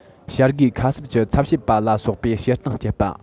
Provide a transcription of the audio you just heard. བྱ དགས ཁ གསབ ཀྱི ཚབ བྱེད པ ལ སོགས པའི བྱེད སྟངས སྤྱད པ